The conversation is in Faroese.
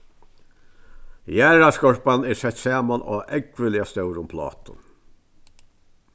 jarðarskorpan er sett saman á ógvuliga stórum plátum